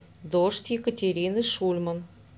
дождь екатерины шульман